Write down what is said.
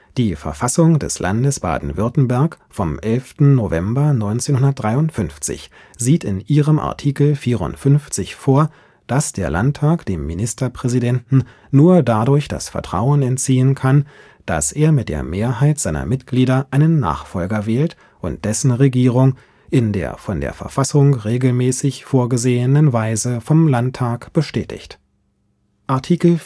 Die Verfassung des Landes Baden-Württemberg vom 11. November 1953 sieht in ihrem Artikel 54 vor, dass der Landtag dem Ministerpräsident nur dadurch das Vertrauen entziehen kann, dass er mit der Mehrheit seiner Mitglieder einen Nachfolger wählt und dessen Regierung in der von der Verfassung regelmäßig vorgesehenen Weise vom Landtag bestätigt: Der